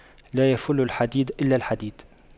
لا يَفُلُّ الحديد إلا الحديد